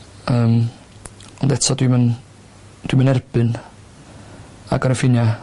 Ymm, Ond eto dwi'm yn dwi'm yn erbyn agor y ffinia'